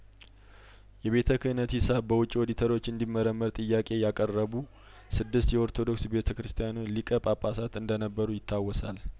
የቤተ ክህነት ሂሳብ በውጭ ኦዲተሮች እንዲ መረመር ጥያቄ ያቀረቡ ስድስት የኦርቶዶክስ ቤተ ክርስቲያኗ ሊቀ ጳጳሳት እንደነበሩ ይታወሳል